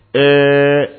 Ɛɛ